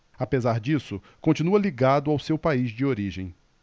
apesar disso continua ligado ao seu país de origem